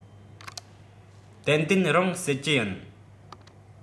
ཏན ཏན རང བསད ཀྱི ཡིན